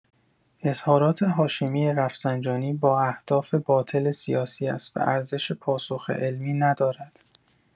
اظهارات هاشمی‌رفسنجانی با اهداف باطل سیاسی است و ارزش پاسخ علمی ندارد.